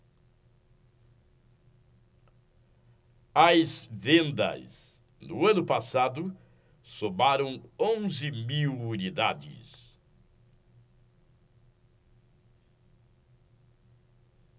as vendas no ano passado somaram onze mil unidades